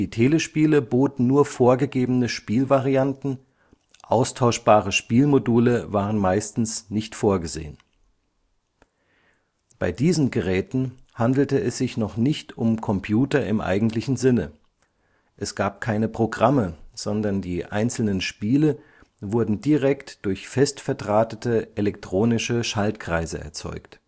Telespiele boten nur vorgegebene Spielvarianten, austauschbare Spielmodule waren meistens nicht vorgesehen. Bei diesen Geräten handelte es sich noch nicht um Computer im eigentlichen Sinne; es gab keine Programme, sondern die einzelnen Spiele wurden direkt durch fest verdrahtete elektronische Schaltkreise erzeugt